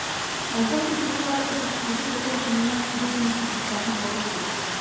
Язгы культуралар 38,8 мең гектарны алып тора.